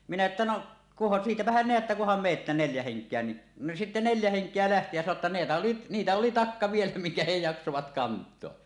minä että no kunhan siitäpähän näette kunhan menette neljä henkeä niin no sitten neljä henkeä lähti ja sanoi - jotta niitä oli niitä oli takka vielä minkä he jaksoivat kantaa